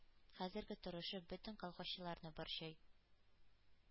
Хәзерге торышы бөтен колхозчыларны борчый.